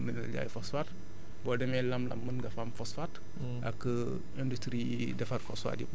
boo rapproché woo fii Dendoo mën nañu la jaay phosphate boo demee Lam-lam mun nga fa am phosphate